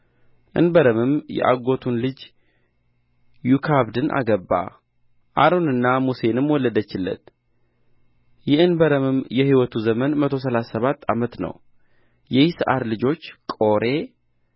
እንበረምም የአጎቱን ልጅ ዮካብድን አገባ አሮንና ሙሴንም ወለደችለት የእንበረምም የሕይወቱ ዘመን መቶ ሠላሳ ሰባት ዓመት ነው የይስዓር ልጆች ቆሬ